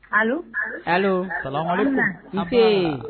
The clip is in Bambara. Kalo kalo kolo mɔ tɛ